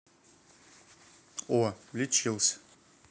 о лечился